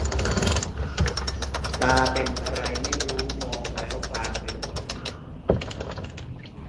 ตาเป็นอะไรไม่รู้มองแล้วฟางไปหมด